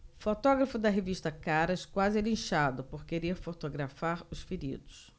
fotógrafo da revista caras quase é linchado por querer fotografar os feridos